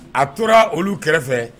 A tora olu kɛrɛfɛ